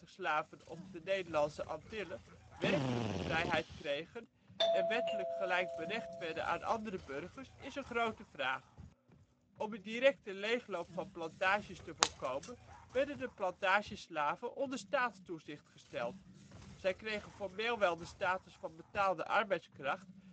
slaven op de Nederlandse Antillen werkelijk de vrijheid kregen en wettelijk gelijkberechtigd werden aan andere burgers is een grote vraag: om een directe leegloop van de plantages te voorkomen, werden de plantageslaven onder ' Staatstoezicht ' gesteld. Zij kregen formeel wel de status van (betaalde) arbeidskracht